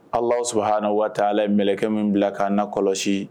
Aw'aw sɔrɔ hana waa' la ye mkɛ min bila k' na kɔlɔsi